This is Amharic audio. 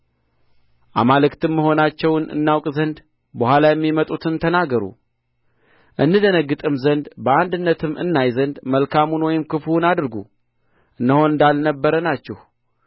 አማልክትም መሆናችሁን እናውቅ ዘንድ በኋላ የሚመጡትን ተናገሩ እንደነግጥም ዘንድ በአንድነትም እናይ ዘንድ መልካሙን ወይም ክፉውን አድርጉ እነሆ እንዳልነበረ ናችሁ